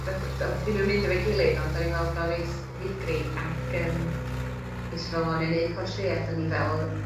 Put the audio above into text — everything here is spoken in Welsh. deff- yy d- odd ddim yn mynd efo'i gilydd ond o'n i'n weld o reit ddigri ac yym nesh i fe'wl o nâi neud portread o'ni fel